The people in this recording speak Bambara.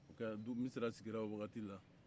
misira sigira o waati la